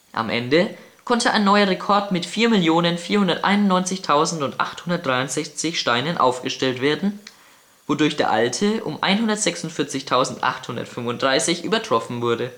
Am Ende konnte ein neuer Rekord mit 4.491.863 Steinen aufgestellt werden, wodurch der alte um 146.835 übertroffen wurde